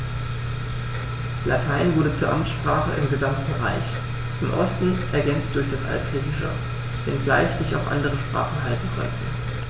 Latein wurde zur Amtssprache im gesamten Reich (im Osten ergänzt durch das Altgriechische), wenngleich sich auch andere Sprachen halten konnten.